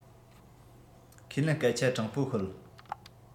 ཁས ལེ སྐད ཆ དྲང པོ ཤོད